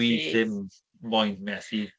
Dwi ddim moyn methu.